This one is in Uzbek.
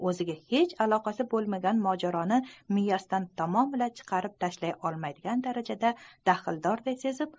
o'ziga hech aloqasi bo'lmagan mojaroni miyasidan tamomila chiqarib tashlay olmaydigan darajada daxldorday sezib